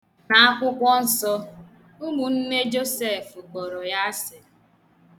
N'Akwụkwọ Nsọ, umunne Josef kpọrọ ya asị.